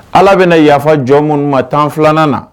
Ala bɛna yafajɔ minnu ma tan filanan na